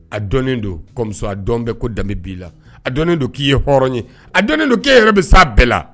A dɔn don kɔmi a dɔn bɛ ko danbe b' la a dɔn don k'i ye hɔrɔn ye a dɔn don k'e yɛrɛ bɛ sa a bɛɛ la